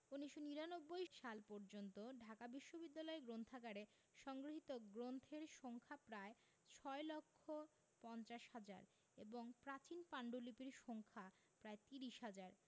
১৯৯৯ সাল পর্যন্ত ঢাকা বিশ্ববিদ্যালয় গ্রন্থাগারে সংগৃহীত গ্রন্থের সংখ্যা প্রায় ৬ লক্ষ ৫০ হাজার এবং প্রাচীন পান্ডুলিপির সংখ্যা প্রায় ত্রিশ হাজার